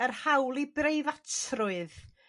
Nath 'na un ferch yn y clip sôn am yr hawl i breifatrwydd